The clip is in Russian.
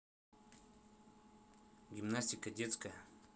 гимнастика детская